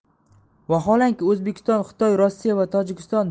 vaholanki o'zbekiston xitoy rossiya va tojikiston